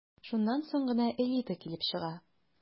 Шуннан соң гына «элита» килеп чыга...